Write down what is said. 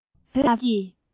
བྱེ བྲག བོད ཀྱི